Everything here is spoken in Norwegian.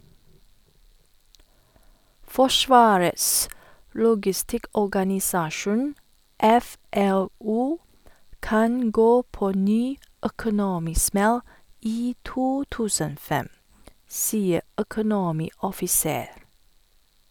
Forsvarets logistikkorganisasjon (FLO) kan gå på ny økonomismell i 2005, sier økonomioffiser.